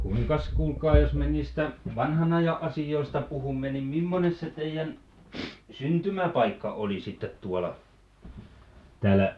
kuinkas kuulkaa jos me niistä vanhan ajan asioista puhumme niin millainen se teidän syntymäpaikka oli sitten tuolla täällä